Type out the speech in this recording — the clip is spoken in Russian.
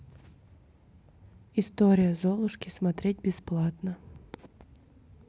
история золушки смотреть бесплатно